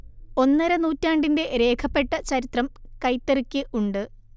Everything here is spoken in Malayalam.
ഒന്നര നൂറ്റാണ്ടിന്റെ രേഖപ്പെട്ട ചരിത്രം കൈത്തറിക്ക് ഉണ്ട്